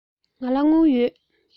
ང ལ དངུལ ཡོད